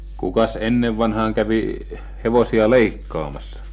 kukas ennen vanhaan kävi hevosia leikkaamassa